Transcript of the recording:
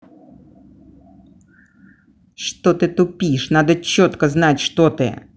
что то ты тупишь надо четко знать что ты